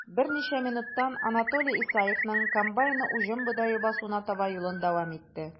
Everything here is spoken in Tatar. Берничә минуттан Анатолий Исаевның комбайны уҗым бодае басуына таба юлын дәвам итте.